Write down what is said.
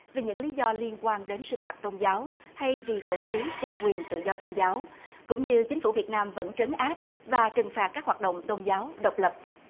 vì những lý do liên quan đến sinh hoạt tôn giáo thay vì cổ súy cho quyền tự do tôn giáo cũng như chính phủ việt nam vẫn trấn áp và trừng phạt các hoạt động tôn giáo độc lập